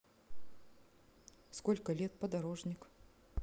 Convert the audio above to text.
сколько лет подорожник